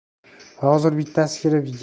hozir bittasi kirib